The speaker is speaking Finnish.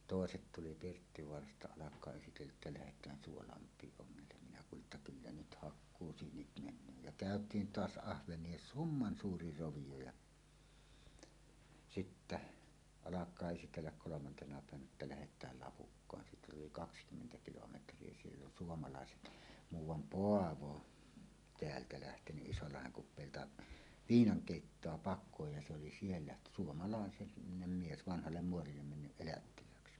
toiset tuli Pirttivaarasta alkaa esitellä että lähdetään Suolammelle ongelle minä kuulin että kyllä nyt hakkuusyynit menee ja käytiin tuossa ahvenia summan suuri rovio ja sitten alkaa esitellä kolmantena päivänä että lähdetään Lapukkaan siitä oli kaksikymmentä kilometriä siellä on suomalaiset muuan Paavo täältä lähtenyt Isolahden kupeilta viinan keittoa pakoon ja se oli siellä - suomalainen mies vanhalle muorille mennyt elättilääksi